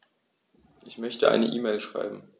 Ich möchte eine E-Mail schreiben.